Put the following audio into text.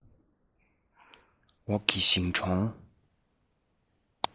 འོག གི ཞིང གྲོང